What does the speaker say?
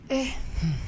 Ee